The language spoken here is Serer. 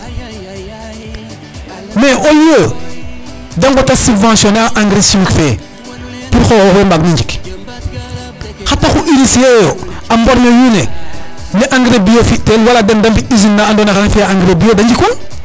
mais au lieu de ngota subventionner engrais chimique fe pour xoxo we mbang no njik xa taxu initier eyo a mborme me wiin we ne engrais BIO fi tel wala de mbi usine na ando naye xana fiya engrais BIO de njikwan